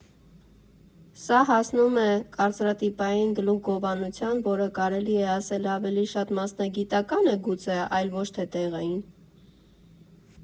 Սա հասնում է կարծրատիպային գլուխգովանության, որը, կարելի է ասել, ավելի շատ մասնագիտական է գուցե, այլ ոչ թե տեղային։